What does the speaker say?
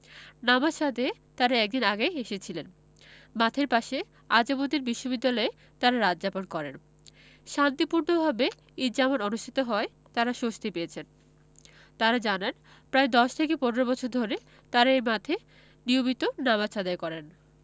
নামাজ আদায়ে তাঁরা এক দিন আগেই এসেছিলেন মাঠের পাশে আজিমুদ্দিন বিশ্ববিদ্যালয়ে তাঁরা রাত যাপন করেন শান্তিপূর্ণভাবে ঈদ জামাত অনুষ্ঠিত হওয়ায় তাঁরা স্বস্তি পেয়েছেন তাঁরা জানান প্রায় ১০ থেকে ১৫ বছর ধরে তাঁরা এ মাঠে নিয়মিত নামাজ আদায় করেন